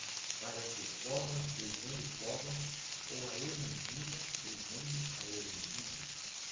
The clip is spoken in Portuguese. parece o covas beijando o covas ou a erundina beijando a erundina